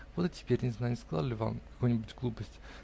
Вот и теперь не знаю -- не сказал ли вам какой-нибудь глупости?